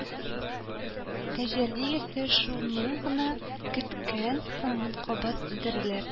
Тәҗәлиясе, шуны гына көткән сыман, кабат дөрләп